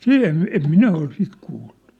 sitä en - en minä ole sitä kuullut